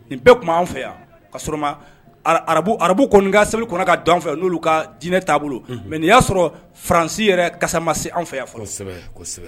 Nin bɛɛ tun b an fɛ yan kabu arabu ka seli kɔnɔ ka dɔn fɛ nolu ka dinɛ taabolo mɛ nin y'a sɔrɔ faransi yɛrɛ kasama se an fɛ yan fɔlɔ